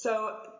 So